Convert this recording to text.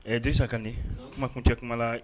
Ɛɛ disa ka nin kuma tun tɛ kuma la